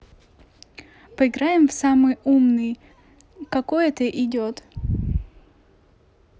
поиграем в самый умный какой это идет